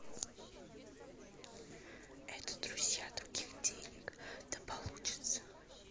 это друзья других денег да получается